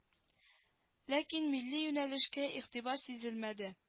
Ләкин милли юнәлешкә игътибар сизелмәде